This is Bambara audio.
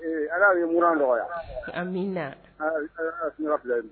Ee Ala k'i ka mura nɔgɔya amiina Ala d Ala ka suna 2 di